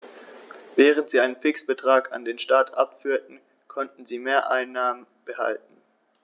Während sie einen Fixbetrag an den Staat abführten, konnten sie Mehreinnahmen behalten.